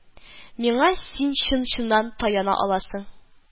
Миңа син чын-чыннан таяна аласың